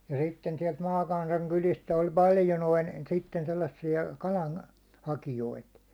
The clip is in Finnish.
ja sitten sieltä maakansan kylistä oli paljon noin sitten sellaisia kalan hakijoita